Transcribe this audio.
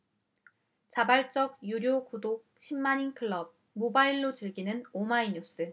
자발적 유료 구독 십 만인클럽 모바일로 즐기는 오마이뉴스